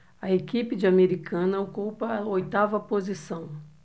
a equipe de americana ocupa a oitava posição